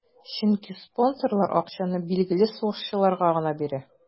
Чөнки спонсорлар акчаны билгеле сугышчыларга гына бирә.